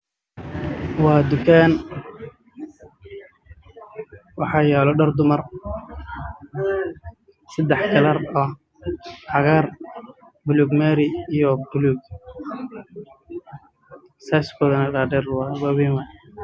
Waa carwo waxaa yaalla saakooyin